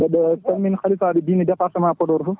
mbeɗo calmini halifaɓe diine département Podor foof